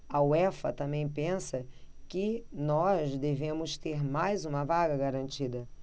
a uefa também pensa que nós devemos ter mais uma vaga garantida